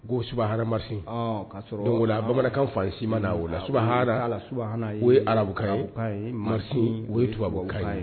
Kobahara mari bamanankan fa si ma o lara o arabu mari o ye bɔ ye